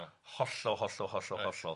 Yy hollol hollol hollol... Reit. ...hollol.